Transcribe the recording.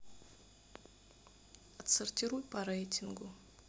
отсортируй по рейтингу